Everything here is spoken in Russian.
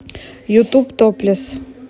ютюб топлес